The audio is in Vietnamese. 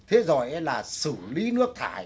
thế rồi á là xử lý nước thải